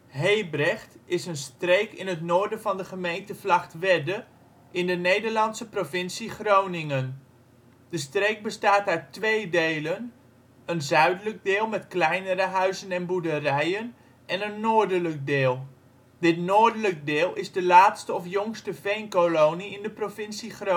Hebrecht is een streek in het noorden van de gemeente Vlagtwedde in de Nederlandse provincie Groningen. De streek bestaat uit twee delen, een zuidelijk deel met kleinere huizen en boerderijen, en een noordelijk deel. Dit noordelijke deel is de laatste of jongste veenkolonie in de provincie Groningen